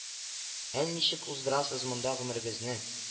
— ә ничек уздырасыз монда гомерегезне